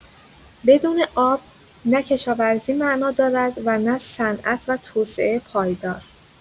بدون آب، نه کشاورزی معنا دارد و نه صنعت و توسعه پایدار.